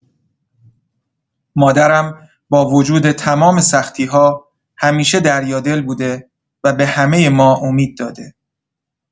مادرم با وجود تمام سختی‌ها همیشه دریادل بوده و به همه ما امید داده.